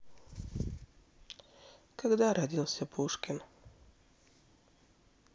когда родился пушкин